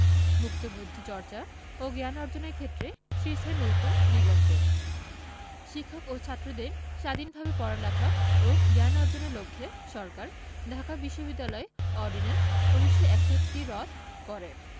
মুক্তবুদ্ধি চর্চা ও জ্ঞান অর্জনের ক্ষেত্রে সৃষ্টি হয় নতুন দিগন্তের শিক্ষক ও ছাত্রদের স্বাধীনভাবে পড়ালেখা ও জ্ঞান অর্জনের লক্ষ্যে সরকার ঢাকা বিশ্ববিদ্যালয় অর্ডিন্যান্স ১৯৬১ রদ করে